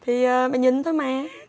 thì mẹ nhìn thôi mà